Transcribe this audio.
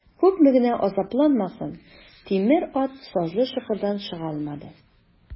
Күпме генә азапланмасын, тимер ат сазлы чокырдан чыга алмады.